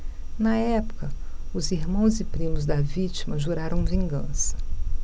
na época os irmãos e primos da vítima juraram vingança